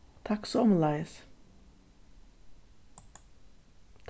takk somuleiðis